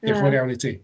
Diolch yn fawr iawn i ti.